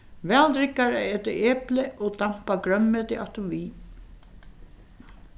væl riggar at eta epli og dampað grønmeti afturvið